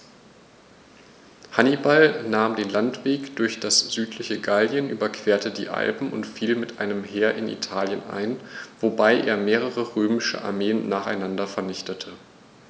Hannibal nahm den Landweg durch das südliche Gallien, überquerte die Alpen und fiel mit einem Heer in Italien ein, wobei er mehrere römische Armeen nacheinander vernichtete.